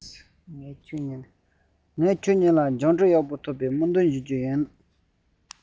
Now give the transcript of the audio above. ངས ཁྱེད གཉིས ལ སྦྱངས འབྲས ཡག པོ ཐོབ པའི སྨོན འདུན ཞུ གི ཡིན